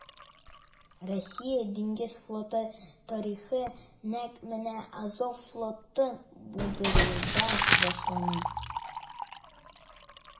Россия диңгез флоты тарихы нәкъ менә Азов флотын булдырудан башлана.